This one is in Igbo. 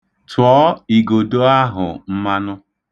Tụọ igodo ahụ mmanụ.